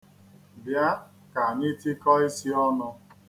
Bịa ka anyị tikọọ isi ọnụ.